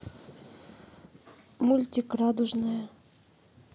мультик радужная